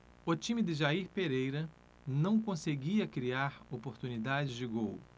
o time de jair pereira não conseguia criar oportunidades de gol